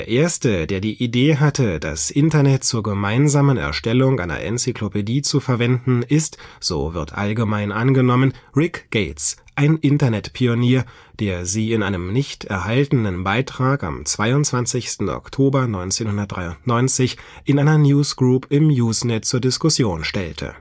erste, der die Idee hatte, das Internet zur gemeinsamen Erstellung einer Enzyklopädie zu verwenden, ist, so wird allgemein angenommen, Rick Gates, ein Internet-Pionier, der sie in einem nicht erhaltenen Beitrag am 22. Oktober 1993 in einer Newsgroup im Usenet zur Diskussion stellte